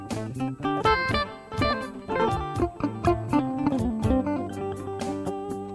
Maa